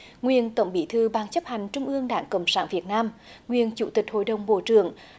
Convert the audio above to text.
nguyên tổng bí thư ban chấp hành trung ương đảng cộng sản việt nam nguyên chủ tịch hội đồng bộ trưởng